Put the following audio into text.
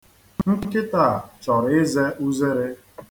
Nkịta a chọrọ ize uzere.